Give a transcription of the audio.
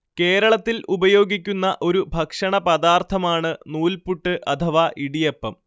കേരളത്തിൽ ഉപയോഗിക്കുന്ന ഒരു ഭക്ഷണപദാർത്ഥമാണ് നൂൽപുട്ട് അഥവാ ഇടിയപ്പം